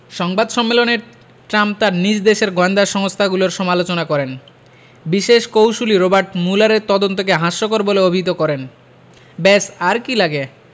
সংবাদ সম্মেলনে ট্রাম্প তাঁর নিজ দেশের গোয়েন্দা সংস্থাগুলোর সমালোচনা করেন বিশেষ কৌঁসুলি রবার্ট ম্যুলারের তদন্তকে হাস্যকর বলে অভিহিত করেন ব্যস আর কী লাগে